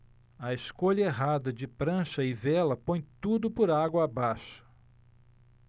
a escolha errada de prancha e vela põe tudo por água abaixo